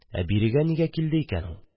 Ә бирегә нигә килде икән ул?